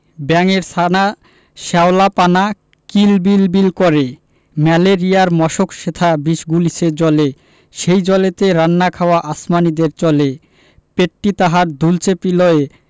ব্যাঙের ছানা শ্যাওলা পানা কিল বিল বিল করে ম্যালেরিয়ার মশক সেথা বিষ গুলিছে জলে সেই জলেতে রান্না খাওয়া আসমানীদের চলে পেটটি তাহার দুলছে পিলয়